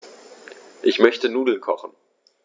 Ich möchte Nudeln kochen.